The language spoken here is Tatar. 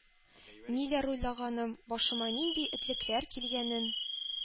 Ниләр уйлаганым, башыма нинди ”этлекләр“ килгәнен